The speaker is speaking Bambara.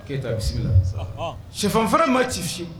Keyita i bɛ sigi la shɛfan fana ma ci